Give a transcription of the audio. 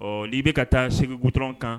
Ɔɔ n'i be ka taa Ségou goudron kan